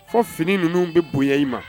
Fɔ fini ninnu bɛ bonya i ma